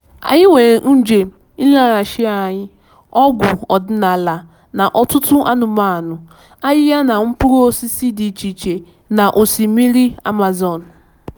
Anyị nwere njem nlegharịanya, ọgwụ ọdịnala, na ọtụtụ anụmanụ, ahịhịa na mkpụrụ osisi dị icheiche n'osimiri Amazon.